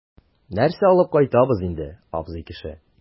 Нәрсә алып кайтабыз инде, абзый кеше?